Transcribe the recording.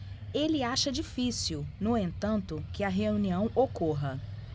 ele acha difícil no entanto que a reunião ocorra